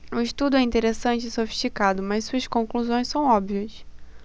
o estudo é interessante e sofisticado mas suas conclusões são óbvias